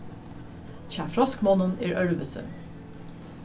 hjá froskmonnum er øðrvísi